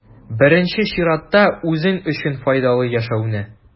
Беренче чиратта, үзең өчен файдалы яшәүне.